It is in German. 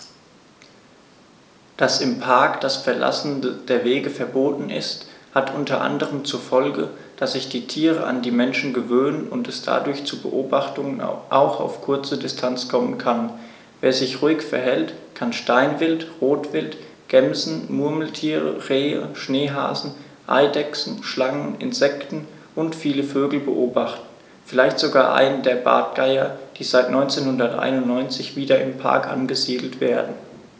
Dass im Park das Verlassen der Wege verboten ist, hat unter anderem zur Folge, dass sich die Tiere an die Menschen gewöhnen und es dadurch zu Beobachtungen auch auf kurze Distanz kommen kann. Wer sich ruhig verhält, kann Steinwild, Rotwild, Gämsen, Murmeltiere, Rehe, Schneehasen, Eidechsen, Schlangen, Insekten und viele Vögel beobachten, vielleicht sogar einen der Bartgeier, die seit 1991 wieder im Park angesiedelt werden.